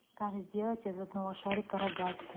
как сделать из одного шарика рогатку